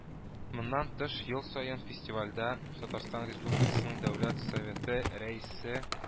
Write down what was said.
Моннан тыш, ел саен фестивальдә ТР Дәүләт Советы Рәисе